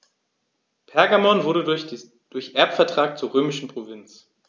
Pergamon wurde durch Erbvertrag zur römischen Provinz.